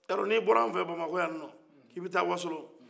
i ye a don ni bɔra an fɛya bamakɔ y'a ni ninɔ i bɛ taa wasolo